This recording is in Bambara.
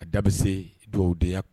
A da bɛ se dɔw deya kun